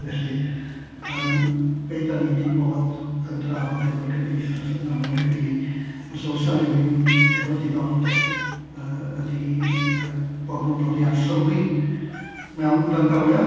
Felly yym be dan ni wedi bod yn drafod efo'r cymdeithas yn amlwg ydy os oes 'na rywun efo diddordeb, yy ydi yy bod nhw'n dod i arsylwi mewn gwrandawiad.